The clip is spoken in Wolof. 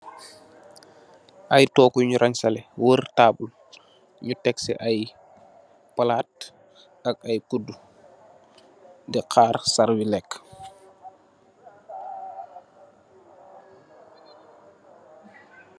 Aye toogu yunge ransaleh weur table, nyu teksi aye palaat ak aye kuduh, di khaar sarwi lek.